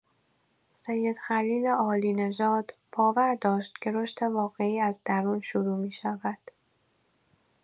سید خلیل عالی‌نژاد باور داشت که رشد واقعی از درون شروع می‌شود.